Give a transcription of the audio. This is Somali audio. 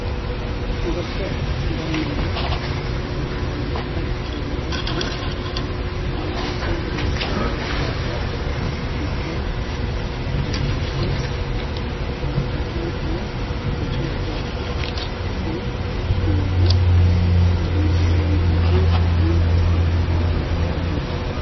Waa gabar meel fadhido waxa ay toleysaa dhar